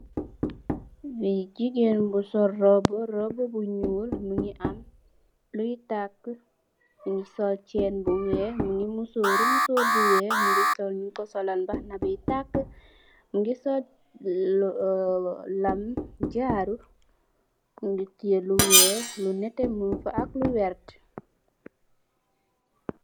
Li jigeen bu sol roba roba bu nuul mongi am loy taka mongi sol cxain bu weex mongi musoro mosoru bu weex mongi sol nyu ko solaal mbahana boi taka mongi sol lu ar laam jaaru mogi tiyeh lu weex lu nete munga fa ak lu wertax.